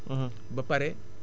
dafa superficielle